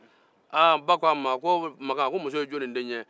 ba ko ko makan muso ye jɔnni den ye